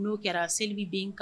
N'o kɛra seli bɛ den kan